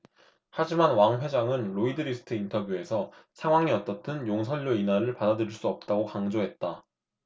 하지만 왕 회장은 로이드리스트 인터뷰에서 상황이 어떻든 용선료 인하를 받아들일 수 없다고 강조했다